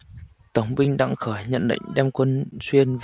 tổng binh đặng khởi nhận mệnh đem quân xuyên